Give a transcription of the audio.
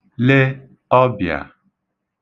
le ọbị̀à